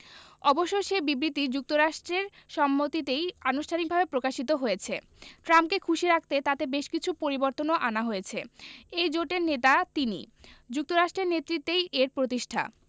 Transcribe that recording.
অবশ্য সে বিবৃতি যুক্তরাষ্ট্রের সম্মতিতেই আনুষ্ঠানিকভাবে প্রকাশিত হয়েছে ট্রাম্পকে খুশি রাখতে তাতে বেশ কিছু পরিবর্তনও আনা হয়েছে এই জোটের নেতা তিনি যুক্তরাষ্ট্রের নেতৃত্বেই এর প্রতিষ্ঠা